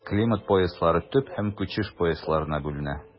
Климат пояслары төп һәм күчеш поясларына бүленә.